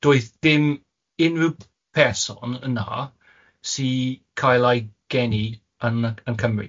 doedd dim unrhyw person ynâ sy cael ei geni yn Cymru.